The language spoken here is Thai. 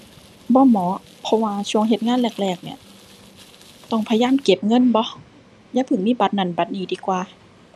บ่เหมาะ เพราะว่าช่วงเฮ็ดงานแรกแรกเนี่ยต้องพยายามเก็บเงินบ่ อย่าพึ่งมีบัตรนั่นบัตรนี่ดีกว่า